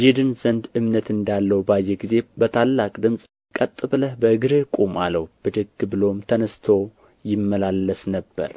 ይድን ዘንድ እምነት እንዳለው ባየ ጊዜ በታላቅ ድምፅ ቀጥ ብለህ በእግርህ ቁም አለው ብድግ ብሎም ተንሥቶ ይመላለስ ነበር